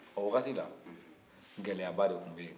o wagati la gɛlɛyaba de tun bɛ yen